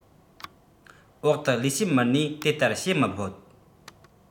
འོག ཏུ ལས བྱེད མི སྣས དེ ལྟར བཤད མི ཕོད